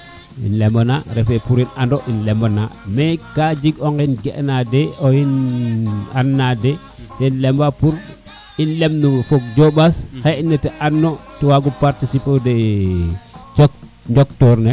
lambana refe pour im and im lembana mais ka jeg o ŋeñ na de owin an na de ten lema pour im lem nu o fog jobaas nete an no te waago parciper ode no cok njoktoor ne